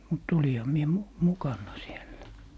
mutta olinhan minä - mukana siellä